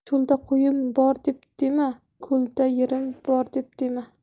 cho'lda qo'yim bor dema ko'lda yerim bor dema